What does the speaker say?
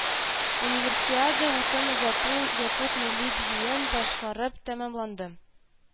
Универсиада утын озату якут милли биюен башкарып тәмамланды